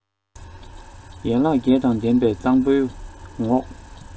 ཡན ལག བརྒྱད དང ལྡན པའི གཙང བོའི ངོགས